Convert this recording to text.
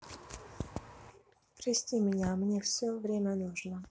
прости меня мне время нужно